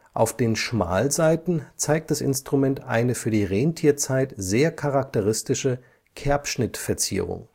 Auf den Schmalseiten zeigt das Instrument eine für die Rentierzeit sehr charakteristische Kerbschnittverzierung